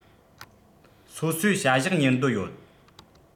སོ སོས བྱ གཞག གཉེར འདོད ཡོད